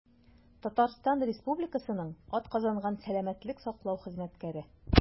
«татарстан республикасының атказанган сәламәтлек саклау хезмәткәре»